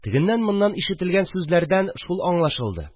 Тегеннән-моннан ишетелгән сүзләрдән шул аңлашылды